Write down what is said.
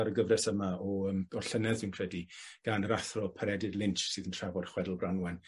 ar y gyfres yma o yym o llynedd dwi'n credu gan yr Athro Peredur Lynch sydd yn trafod chwedl Branwen